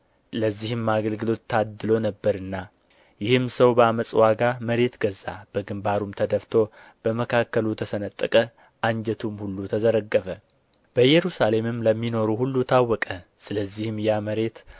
ለዚህም አገልግሎት ታድሎ ነበርና ይህም ሰው በዓመፅ ዋጋ መሬት ገዛ በግንባሩም ተደፍቶ ከመካከሉ ተሰነጠቀ አንጀቱም ሁሉ ተዘረገፈ በኢየሩሳሌምም ለሚኖሩ ሁሉ ታወቀ ስለዚህም ያ መሬት